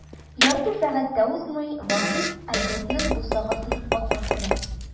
Ярты сәгать тә узмый, Вахит Альбертның бусагасын атлап керә.